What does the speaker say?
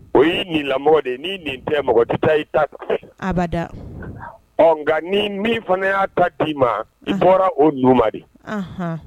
Bon i nin lamɔ de ni nin tɛ mɔgɔta i ta ada ni min fana y'a ta' i ma i bɔra o di